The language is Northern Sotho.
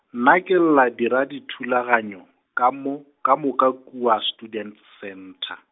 nna ke lla dira dithulaganyo, ka moka, moka kua Students Centre.